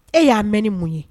E y'a mɛn ni mun ye